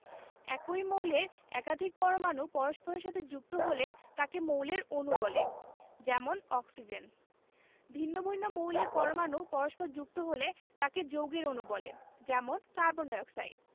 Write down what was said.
একই মৌলের একাধিক পরমাণু পরস্পরের সাথে যুক্ত হলে তাকে মৌলের অণু বলে যেমন অক্সিজেন ভিন্ন ভিন্ন মৌলের পরমাণু পরস্পর যুক্ত হলে তাকে যৌগের অণু বলে যেমন কার্বন ডাই অক্সাইড